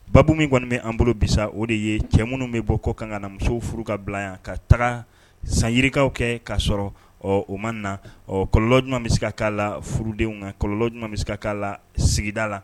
Babu min kɔni bɛan bolo bisa o de ye cɛ minnu bɛ bɔ kɔ ka ka na muso furu ka bila yan ka taga san yirikaw kɛ k kaa sɔrɔ ɔ o ma na ɔ kɔlɔ ɲuman bɛ se ka k'a la furudenw kan kɔlɔɲumanuma bɛ se ka k'a la sigida la